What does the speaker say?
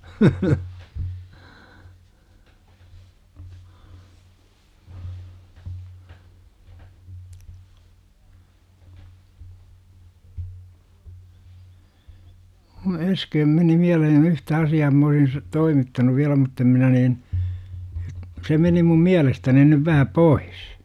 - kun äsken meni mieleen yhtä asiaa minä olisin sinulle toimittanut vielä mutta en minä niin se meni minun mielestäni nyt vähän pois